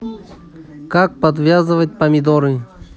как подвязывать помидоры